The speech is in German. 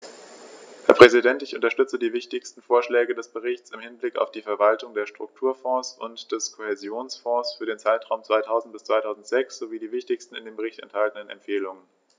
Herr Präsident, ich unterstütze die wichtigsten Vorschläge des Berichts im Hinblick auf die Verwaltung der Strukturfonds und des Kohäsionsfonds für den Zeitraum 2000-2006 sowie die wichtigsten in dem Bericht enthaltenen Empfehlungen.